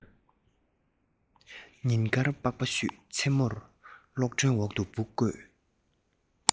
ཉིན དཀར པགས པ བཤུས མཚན མོར གློག སྒྲོན འོག ཏུ འབུ བརྐོས